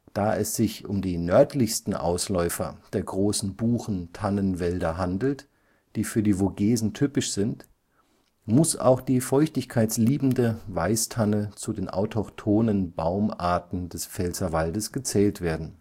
Da es sich um die nördlichsten Ausläufer der großen Buchen-Tannenwälder handelt, die für die Vogesen typisch sind, muss auch die feuchtigkeitsliebende Weißtanne zu den autochthonen Baumarten des Pfälzerwaldes gezählt werden